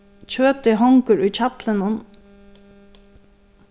kjøtið hongur í hjallinum